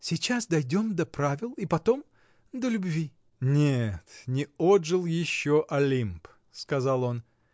— Сейчас дойдем до правил и потом. до любви. — Нет, не отжил еще Олимп! — сказал он.